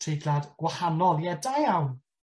treiglad gwahanol, ie da iawn.